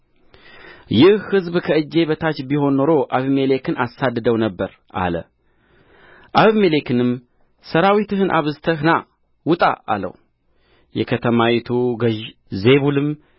ይህ ሕዝብ ከእጄ በታች ቢሆን ኖሮ አቤሜሌክን አሳድደው ነበር አለ አቤሜሌክንም ሠራዊትህን አብዝተህ ና ውጣ አለው የከተማይቱ ገዥ ዜቡልም